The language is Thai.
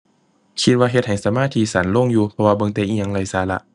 คิดว่าเฮ็ดให้สมาธิสั้นลงอยู่ เพราะว่าเบิ่งแต่อิหยังไร้สาระ